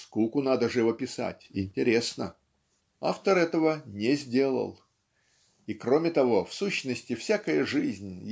Скуку надо живописать интересно, - автор этого не сделал. И кроме того в сущности всякая жизнь